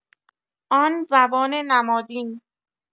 آن زبان نمادین